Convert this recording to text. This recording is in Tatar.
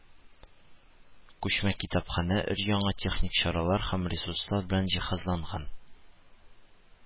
Күчмә китапханә өр-яңа техник чаралар һәм ресурслар белән җиһазланган